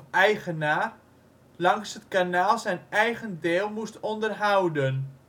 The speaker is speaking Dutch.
eigenaar) langs het kanaal zijn eigen deel moest onderhouden